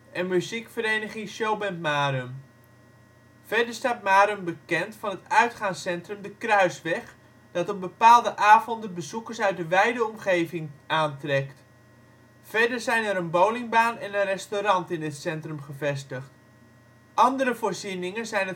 en muziekvereniging Showband Marum. Verder staat Marum bekend van het uitgaanscentrum De Kruisweg, dat op bepaalde avonden bezoekers uit de wijde omgeving aantrekt. Verder zijn er een bowlingbaan en een restaurant in dit centrum gevestigd. Andere voorzieningen zijn het